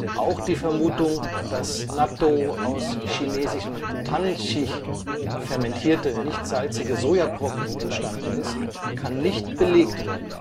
Auch die Vermutung, dass Nattō aus chinesischen tan-shih (fermentierte, nicht-salzige Sojabrocken) entstanden ist, kann nicht belegt werden